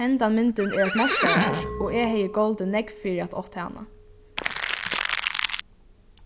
hendan myndin er eitt meistaraverk og eg hevði goldið nógv fyri at átt hana